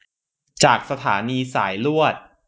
จากสถานีสายลวด